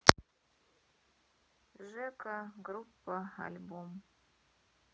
жека группа альбом